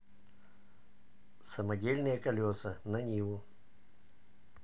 самодельные колеса на ниву